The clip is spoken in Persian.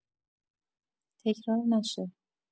تکرار نشه